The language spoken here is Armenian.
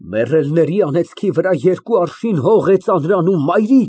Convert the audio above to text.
Մեռելների անեծքի վրա երկու արշին հող է ծանրանում։